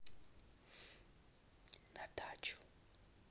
на дачу